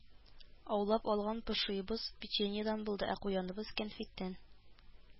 Аулап алган пошиебыз печеньедан булды, ә куяныбыз кәнфиттән